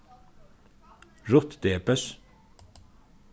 ruth debess